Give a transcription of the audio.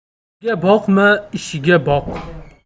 so'ziga boqma ishiga boq